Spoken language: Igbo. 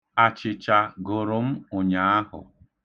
Achịcha gụrụ m, ụnyaahụ.